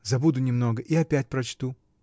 Забуду немного и опять прочту.